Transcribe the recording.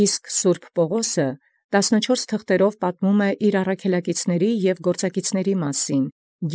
Այլ Սրբոյն Պաւղոսի չորեքտասանեքումբք թղթովք պատմէ զիւր առաքելակիցս և նիզակակիցս, և։